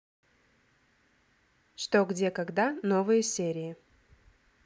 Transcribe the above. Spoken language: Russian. что где когда новые серии